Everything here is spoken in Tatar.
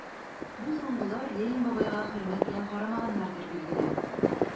Бу соңгылар Ленин бабайга хөрмәт белән карамаганнардыр, билгеле...